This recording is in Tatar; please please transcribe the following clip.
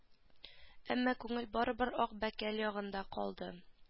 Әмма күңел барыбер ак бәкәл ягында калды